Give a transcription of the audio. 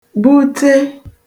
bute